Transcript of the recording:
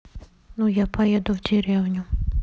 ну я поеду в деревню